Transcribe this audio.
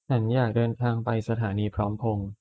ฉันอยากเดินทางไปสถานีพร้อมพงษ์